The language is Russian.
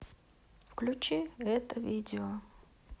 выключи это видео